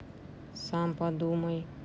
сам подумай